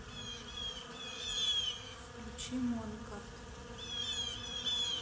включи монкарт